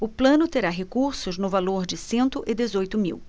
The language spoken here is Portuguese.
o plano terá recursos no valor de cento e dezoito mil